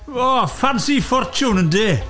O Ffansi Ffortiwn, ynte!